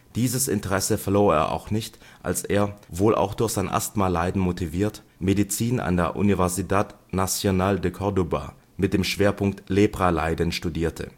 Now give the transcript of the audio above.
Dieses Interesse verlor er auch nicht, als er, wohl auch durch sein Asthma-Leiden motiviert, Medizin an der Universidad Nacional de Córdoba mit dem Schwerpunkt Lepraleiden studierte